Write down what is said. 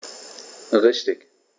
Richtig